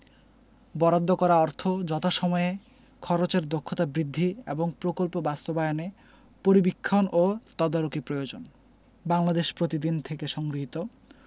বরাদ্দ করা অর্থ যথাসময়ে খরচের দক্ষতা বৃদ্ধি এবং প্রকল্প বাস্তবায়নে পরিবীক্ষণ ও তদারকি প্রয়োজন বাংলাদেশ প্রতিদিন থেকে সংগৃহীত